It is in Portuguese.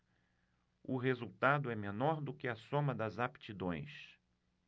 o resultado é menor do que a soma das aptidões